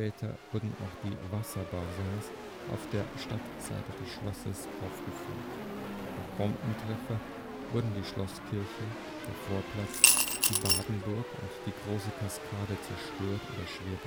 Später wurden auch die Wasserbassins auf der Stadtseite des Schlosses aufgefüllt. Durch Bombentreffer wurden die Schlosskirche, der Vorplatz, die Badenburg und die Große Kaskade zerstört oder schwer